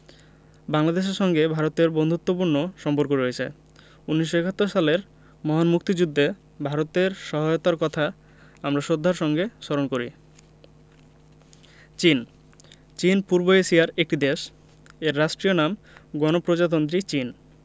বাংলাদেশের সঙ্গে ভারতের বন্ধুত্তপূর্ণ সম্পর্ক রয়ছে ১৯৭১ সালের মহান মুক্তিযুদ্ধে ভারতের সহায়তার কথা আমরা শ্রদ্ধার সাথে স্মরণ করি চীনঃ চীন পূর্ব এশিয়ার একটি দেশ এর রাষ্ট্রীয় নাম গণপ্রজাতন্ত্রী চীন